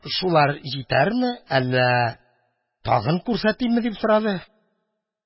Шулар җитәрме, әллә тагын күрсәтимме? – дип сорады.